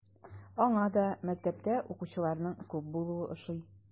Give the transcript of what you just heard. Аңа да мәктәптә укучыларның күп булуы ошый.